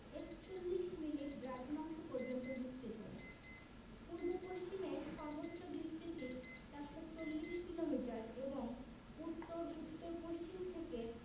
৪১মিনিট দ্রাঘিমাংশ পর্যন্ত বিস্তৃত পূর্ব পশ্চিমে সর্বোচ্চ বিস্তৃতি ৪৪০ কিলোমিটার এবং উত্তর উত্তর পশ্চিম থেকে